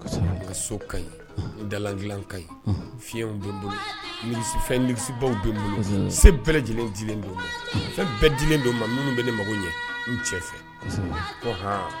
Kɔsɛbɛ nka so kaɲi anhan n dala dilan kaɲi anhan fiɲɛnw bɛ n bolo luxe fɛn luxe baw bɛ n bolo kosɛbɛ se bɛɛ lajɛlen dilen don ma unh fɛn bɛɛ dilen don ma minnu bɛ ne mago ɲɛ n cɛ fɛ kosɛbɛ ko hann